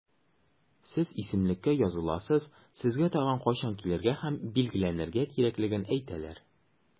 Сез исемлеккә языласыз, сезгә тагын кайчан килергә һәм билгеләнергә кирәклеген әйтәләр.